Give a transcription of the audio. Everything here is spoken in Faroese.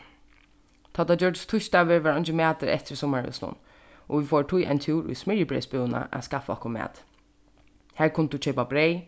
tá tað gjørdist týsdagur var eingin matur eftir í summarhúsinum og vit fóru tí ein túr í smyrjibreyðsbúðina at skaffa okkum mat har kundi tú keypa breyð